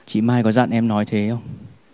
chị mai có dặn em nói thế không